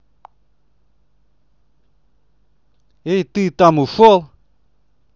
эй ты там ушел